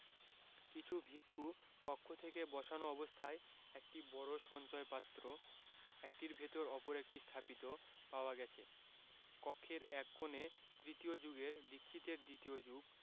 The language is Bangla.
কিছু ভিক্ষু কক্ষ থেকে বসানো অবস্থায় একটি বড় সঞ্চয় পাত্র একটির ভেতর অপর একটি স্থাপিত পাওয়া গেছে কক্ষের এক কোণে তৃতীয় যুগের দীক্ষিতের দ্বিতীয় যুগ